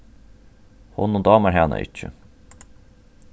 honum dámar hana ikki